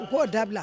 U k'o dabila